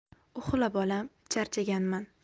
uxla bolam charchaganman